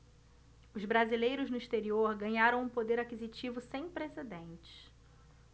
os brasileiros no exterior ganharam um poder aquisitivo sem precedentes